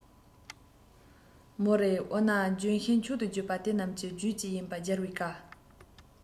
མོ རེ འོ ན ལྗོན ཤིང མཆོག ཏུ འགྱུར པ དེ རྣམས ཀྱི རྒྱུད བཅས ཡིན པ རྒྱལ བའི བཀའ